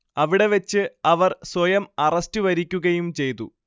അവിടെ വച്ച് അവർ സ്വയം അറസ്റ്റ് വരിക്കുകയും ചെയ്തു